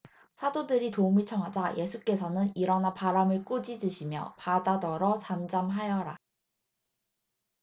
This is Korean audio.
사도들이 도움을 청하자 예수께서는 일어나 바람을 꾸짖으시며 바다더러 잠잠하여라